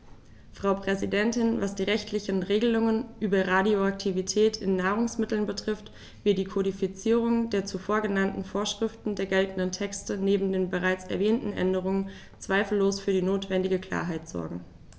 Frau Präsidentin, was die rechtlichen Regelungen über Radioaktivität in Nahrungsmitteln betrifft, wird die Kodifizierung der zuvor genannten Vorschriften der geltenden Texte neben den bereits erwähnten Änderungen zweifellos für die notwendige Klarheit sorgen.